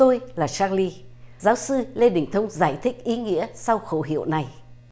tôi là xác li giáo sư lê đình thông giải thích ý nghĩa sau khẩu hiệu này